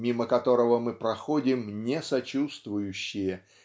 мимо которого мы проходим не сочувствующие